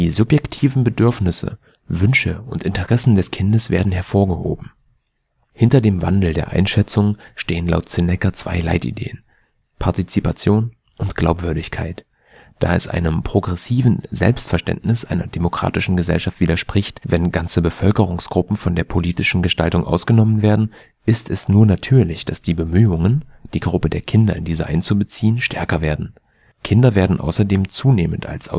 subjektiven Bedürfnisse, Wünsche und Interessen des Kindes werden hervorgehoben. Jungen und Mädchen mit Schuluniform in einer englischen Schule in Nepal Hinter dem Wandel der Einschätzungen stehen laut Zinnecker zwei Leitideen: Partizipation und Glaubwürdigkeit. Da es einem progressiven (Selbst -) Verständnis einer demokratischen Gesellschaft widerspricht, wenn ganze Bevölkerungsgruppen von der politischen Gestaltung ausgenommen werden, ist es nur natürlich, dass die Bemühungen, die Gruppe der Kinder in diese einzubeziehen, stärker werden. Kinder werden außerdem zunehmend als